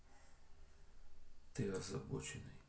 ты озабоченный